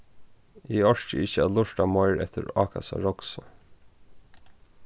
eg orki ikki at lurta meir eftir ákasa roksi